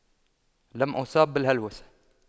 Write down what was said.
لم اصاب بالهلوسة